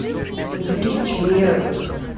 надурить меня